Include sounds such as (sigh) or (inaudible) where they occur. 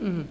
(hesitation) (hesitation)